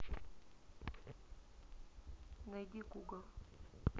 найди гугл